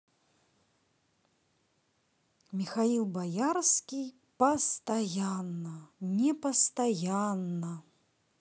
михаил боярский постоянно непостоянна